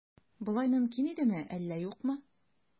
Болай мөмкин идеме, әллә юкмы?